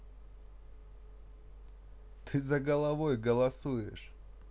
ты за головой голосуешь